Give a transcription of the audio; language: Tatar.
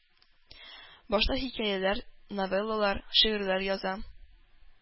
Башта хикәяләр, новеллалар, шигырьләр яза.